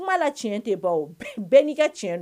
Kuma la tiɲɛ tɛ baw bɛɛ n'i ka tiɲɛ